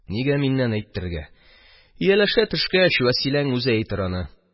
– нигә миннән әйттерергә, ияләшә төшкәч, вәсиләң үзе дә әйтер аны.